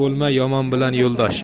bo'lma yomon bilan yo'ldosh